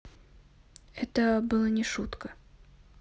это было не шутка